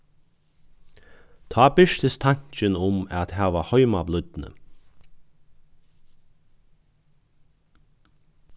tá birtist tankin um at hava heimablídni